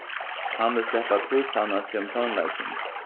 hann vil sleppa at hugsavna seg um tónleikin